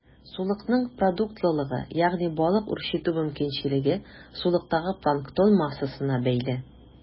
Сулыкның продуктлылыгы, ягъни балык үрчетү мөмкинчелеге, сулыктагы планктон массасына бәйле.